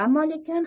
ammo lekin